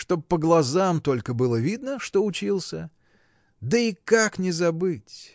чтоб по глазам только было видно, что учился. Да и как не забыть